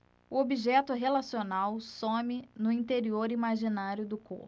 o objeto relacional some no interior imaginário do corpo